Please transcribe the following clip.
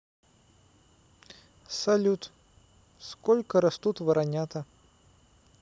салют сколько растут воронята